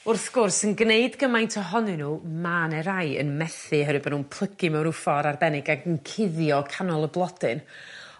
wrth gwrs yn gneud gymaint ohonyn n'w ma' 'ne rai yn methu ohrwy bo' nw'n plygu mewn rw ffor arbennig ag yn cuddio canol y blodyn